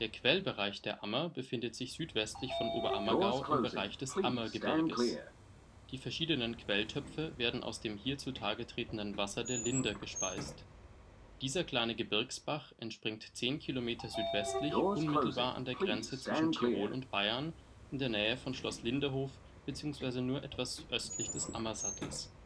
Quellbereich der Ammer befindet sich südwestlich von Oberammergau im Bereich des Ammergebirges. Die verschiedenen Quelltöpfe werden aus dem hier zutage tretenden Wasser der Linder gespeist. Dieser kleine Gebirgsbach entspringt zehn Kilometer südwestlich unmittelbar an der Grenze zwischen Tirol und Bayern, in der Nähe von Schloss Linderhof bzw. nur etwas östlich des Ammersattels